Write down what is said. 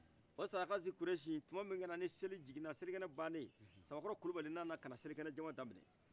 o sarakasi kurɛsi tuman min kɛra ni seli jiginna selikɛne ban nen samakɔrɔ kulubali nana ka na selikɛnɛjama daminɛ